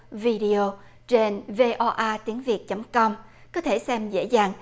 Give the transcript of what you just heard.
vi đi ô trên vê o a tiếng việt chấm com có thể xem dễ dàng